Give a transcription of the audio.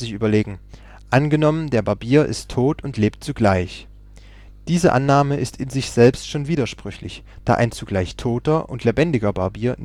überlegen " Angenommen der Barbier ist tot und lebt zugleich. "-- Diese Annahme ist in sich selbst schon widersprüchlich, ein zugleich toter und lebendiger Barbier